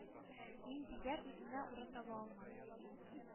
Миндияр үзенә урын таба алмады.